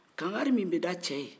kangari min bɛ da cɛ ye